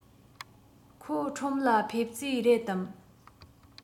ཁོ ཁྲོམ ལ ཕེབས རྩིས རེད དམ